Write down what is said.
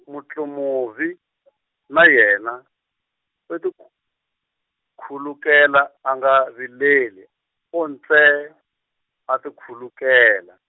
Mutlumuvi , na yena, u tikh- khulukela a nga vileli, o ntsee, a tikhulukela.